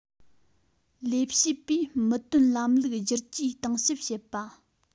ལས བྱེད པའི མི དོན ལམ ལུགས བསྒྱུར བཅོས གཏིང ཟབ བྱེད པ